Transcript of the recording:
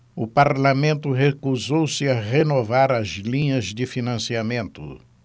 o parlamento recusou-se a renovar as linhas de financiamento